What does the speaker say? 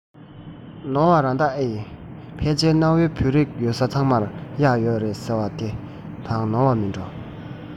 ནོར བ རང ད ཨེ ཡིན ཕལ ཆེར གནའ བོའི བོད རིགས ཡོད ས ཚང མར གཡག ཡོད རེད ཟེར བ དེ དང ནོར བ མིན འགྲོ